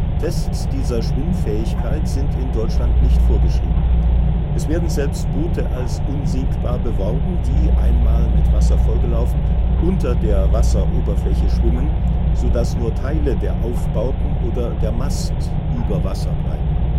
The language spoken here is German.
Tests dieser Schwimmfähigkeit sind in Deutschland nicht vorgeschrieben. Es werden selbst Boote als unsinkbar beworben, die – einmal mit Wasser vollgelaufen – unter der Wasseroberfläche schwimmen, so dass nur Teile der Aufbauten oder der Mast über Wasser bleiben